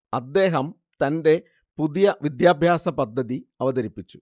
അദ്ദേഹം തന്റെ പുതിയ വിദ്യാഭ്യാസപദ്ധതി അവതരിപ്പിച്ചു